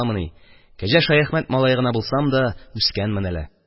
Кәҗә Шаяхмәт малае гына булсам да, үскәнмен әле.